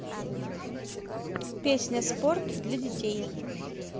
песня спорт для детей